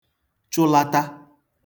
chụlata